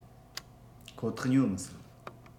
ཁོ ཐག ཉོ མི སྲིད